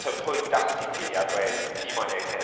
So, pwy daeth i ti a dweud, ti moyn wneud hyn?